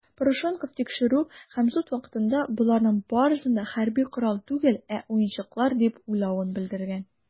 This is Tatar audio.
Парушенков тикшерү һәм суд вакытында, боларның барысын да хәрби корал түгел, ә уенчыклар дип уйлавын белдергән.